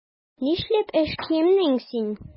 Нишләп эш киеменнән син?